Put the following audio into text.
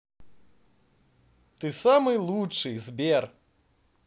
ты самый лучший сбер